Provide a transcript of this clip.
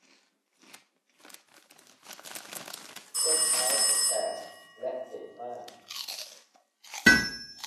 ส้นเท้าฉันแตกและเจ็บมาก